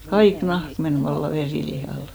kaikki nahka meni vallan verilihalle